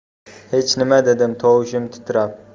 hech nima dedim tovushim titrab